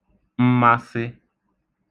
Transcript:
mmasị